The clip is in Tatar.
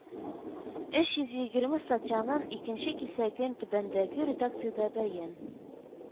Өч йөз егерме статьяның икенче кисәген түбәндәге редакциядә бәен